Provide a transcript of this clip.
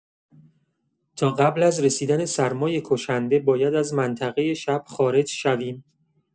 تا قبل از رسیدن سرمای کشنده باید از منطقه شب خارج شویم.